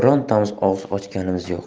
birontamiz og'iz ochganimiz yo'q